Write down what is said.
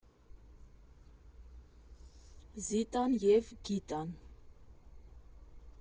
Զիտան և Գիտան։